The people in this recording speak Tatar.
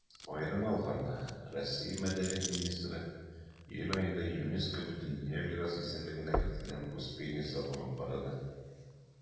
Аерым алганда, Россия Мәдәният министры июль аенда ЮНЕСКО Бөтендөнья мирасы исемлегенә кертелгән Успенья соборын карады.